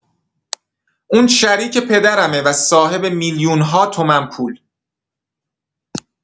اون شریک پدرمه و صاحب میلیون‌ها تومن پول.